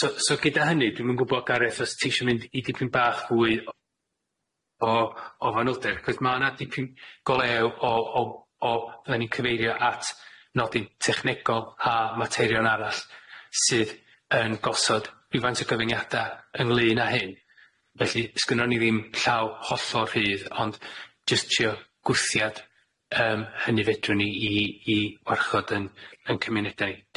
So so gyda hynny dwi'm yn gwbod Gareth os ti isio mynd i dipyn bach fwy o o fanylder, achos ma' na dipyn golew o o o fydda ni'n cyfeirio at nodyn technegol a materion arall sydd yn gosod rywfaint o gyfyngiada ynglŷn â hyn, felly sgynnon ni ddim llaw hollol rhydd, ond jyst trio gwthiad yym hynny fedrwn ni i i warchod yn yn cymunedau ni.